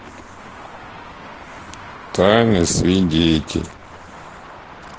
тайный свидетель